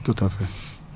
tout à fait